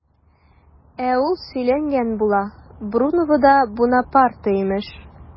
Ә ул сөйләнгән була, Бруновода Бунапарте имеш!